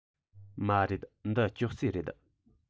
མ རེད འདི ཅོག ཙེ རེད